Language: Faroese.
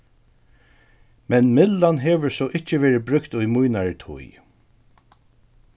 men myllan hevur so ikki verið brúkt í mínari tíð